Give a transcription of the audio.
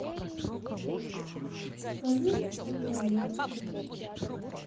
скажи погода в новосибирске